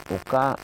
O ka